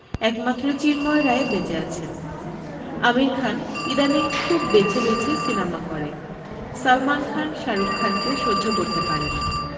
একমাত্র চিন্ময় রায় বেঁচে আছেন আমির খান ইদানীং খুব বেছে বেছে সিনেমা করে সালমান খান শাহারুখ খানকে সহ্য করতে পারে না